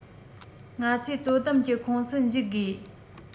ང ཚོས དོ དམ གྱི ཁོངས སུ འཇུག དགོས